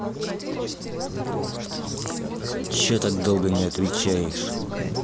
че так долго отвечаешь